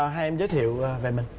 hai em giới thiệu về mình